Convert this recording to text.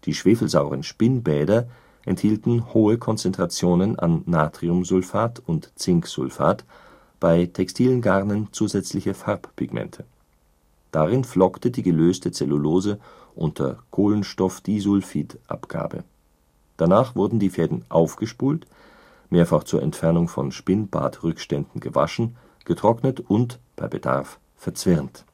schwefelsauren Spinnbäder enthielten hohe Konzentrationen an Natriumsulfat und Zinksulfat, bei textilen Garnen zusätzlich Farbpigmente. Darin flockte die gelöste Cellulose unter Kohlenstoffdisulfid-Abgabe. Danach wurden die Fäden aufgespult, mehrfach zur Entfernung von Spinnbadrückständen gewaschen, getrocknet und, bei Bedarf, verzwirnt